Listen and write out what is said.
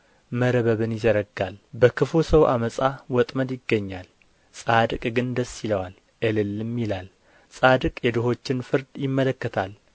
መርበብን ይዘረጋል በክፉ ሰው ዓመፃ ወጥመድ ይገኛል ጻድቅ ግን ደስ ይለዋል እልልም ይላል ጻድቅ የድሆችን ፍርድ ይመለከታል